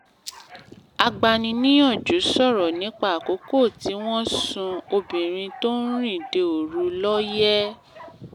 Agbaniníyànjú sọ̀rọ̀ nípa àkókò tí wọ́n sun obìnrin tó ń rìnde òru lóòyẹ̀.